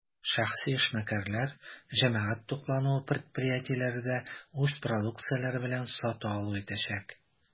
Шәхси эшмәкәрләр, җәмәгать туклануы предприятиеләре дә үз продукцияләре белән сату-алу итәчәк.